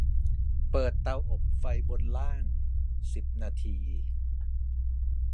เปิดเตาอบไฟบนล่างสิบนาที